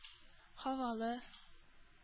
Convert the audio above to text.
Һавалы